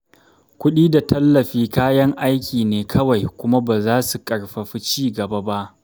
Kuɗi da tallafi kayan aiki ne kawai kuma ba za su ƙarfafi ci-gaba ba.